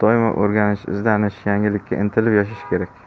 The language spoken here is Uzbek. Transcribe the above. o'rganish izlanish yangilikka intilib yashash kerak